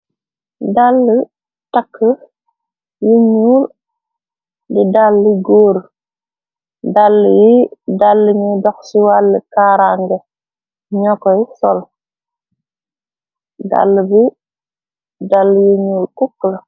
Dall takk yu ñuul di dalli góor, dall yi dall ñuy dox ci wàll kaarange ño koy sol, dall bi dall yu ñuul cukk la.